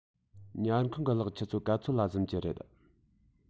ཉལ ཁང གི གློག ཆུ ཚོད ག ཚོད ལ གཟིམ གྱི རེད